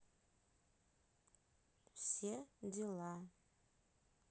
все дела